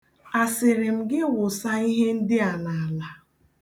Asịrị m gị wụsa ihe ndị a n'ala?